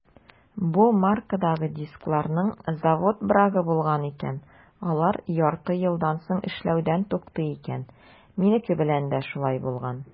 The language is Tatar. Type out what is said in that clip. Бу маркадагы дискларның завод брагы булган икән - алар ярты елдан соң эшләүдән туктый икән; минеке белән дә шулай булган.